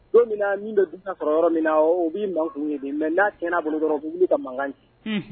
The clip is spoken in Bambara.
Don min na min bɛ dunan sɔrɔ yɔrɔ min na o b'i man ye mɛ n'a' bolo dɔrɔn' wuli ka makan ye